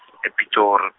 ePitor-.